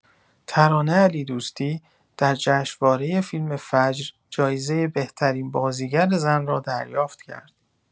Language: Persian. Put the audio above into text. ترانه علیدوستی در جشنواره فیلم فجر جایزه بهترین بازیگر زن را دریافت کرد.